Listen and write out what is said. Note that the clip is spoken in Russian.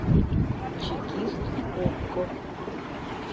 чекист окко